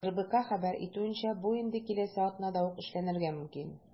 РБК хәбәр итүенчә, бу инде киләсе атнада ук эшләнергә мөмкин.